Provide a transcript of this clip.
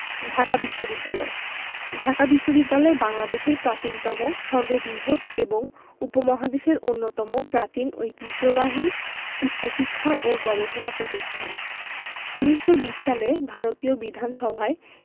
ঢাকা বিশ্ববিদ্যালয় ঢাকা বিশ্ববিদ্যালয় বাংলাদেশের প্রাচীনতম সর্ববৃহৎ এবং উপমহাদেশের অন্যতম প্রাচীন ঐতিহ্যবাহী উচ্চশিক্ষা ও গবেষণা প্রতিষ্ঠান ১৯২০ সালে ভারতীয় বিধানসভায়